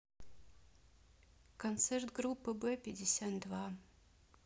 концерт группы б пятьдесят два